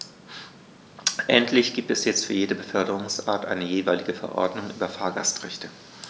Endlich gibt es jetzt für jede Beförderungsart eine jeweilige Verordnung über Fahrgastrechte.